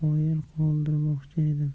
bilan hammani qoyil qoldirmoqchi edim